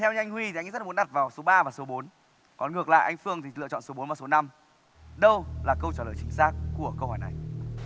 theo như anh huy thì anh ấy rất muốn đặt vào số ba và số bốn còn ngược lại anh phương thì lựa chọn số bốn và số năm đâu là câu trả lời chính xác của câu hỏi này